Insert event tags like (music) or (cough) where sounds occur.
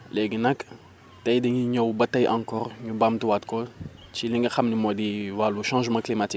léegi nag tey dañuy ñëw ba tey encore énu baamtuwaat ko ci li nga xam ni mooy (hesitation) wàllu changement climatique